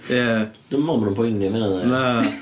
Ia, dwi'm yn meddwl maen nhw'n poeni am hynna ddo ia... Na .